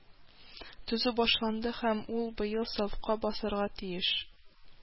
Төзү башланды һәм ул быел сафка басарга тиеш